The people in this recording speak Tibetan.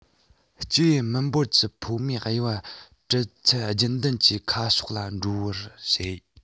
སྐྱེ བའི མི འབོར གྱི ཕོ མོའི དབྱེ བ གྲུབ ཚུལ རྒྱུན ལྡན གྱི ཁ ཕྱོགས ལ འགྲོ བར བྱེད